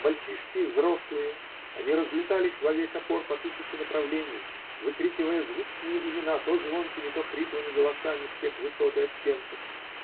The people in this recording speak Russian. Мальчишки и взрослые, они разлетались во весь опор по тысяче направлений, выкрикивая звучные имена то звонкими, то хриплыми голосами всех высот и оттенков.